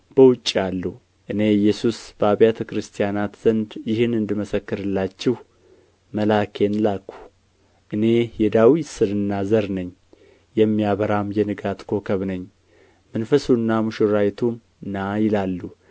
በውጭ አሉ እኔ ኢየሱስ በአብያተ ክርስቲያናት ዘንድ ይህን እንዲመሰክርላችሁ መልአኬን ላክሁ እኔ የዳዊት ሥርና ዘር ነኝ የሚያበራም የንጋት ኮከብ ነኝ መንፈሱና ሙሽራይቱም ና ይላሉ